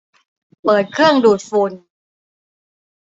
เปิดเครื่องดูดฝุ่น